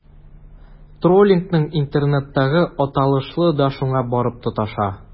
Троллингның интернеттагы аталышы да шуңа барып тоташа.